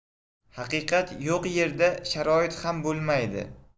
haqiqat yo'q yerda sharoit ham bo'lmaydi